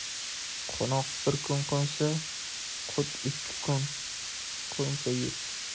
qo'noq bir kun qo'nsa kut ikki kun qo'nsa yut